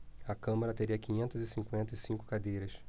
a câmara teria quinhentas e cinquenta e cinco cadeiras